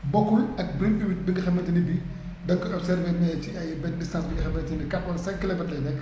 bokkul ak brut humide bi nga xamante ne bii da nga ko observé nii ci ay benn distance bi nga xamante ne quatre wala cinq kilomètres lay nekk